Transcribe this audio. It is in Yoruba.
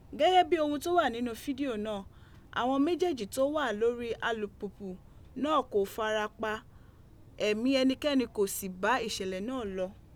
Gẹgẹ bii ohun to wa ninu fidio naa, awọn mejeji to wa lori alupupu naa ko farapa, ẹmi ẹnikẹni ko si ba iṣẹlẹ naa lọ.